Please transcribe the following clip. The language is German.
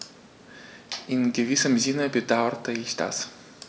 In gewissem Sinne bedauere ich das.